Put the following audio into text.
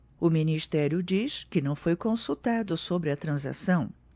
o ministério diz que não foi consultado sobre a transação